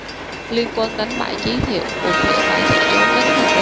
liên quân đánh bại chí thiệu buộc thiệu phải chạy trốn đến thành đức